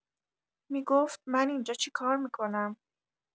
می‌گفت: من اینجا چیکار می‌کنم؟